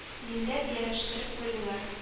Димләп, ярәштереп куйдылар